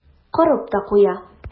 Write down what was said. Корып та куя.